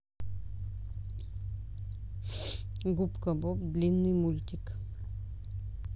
губка боб длинный мультик